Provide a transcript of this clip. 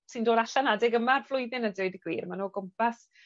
sy'n dod allan adeg yma'r flwyddyn a dweud y gwir ma'n o gwmpas